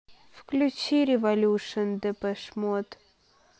включи революшен депеш мод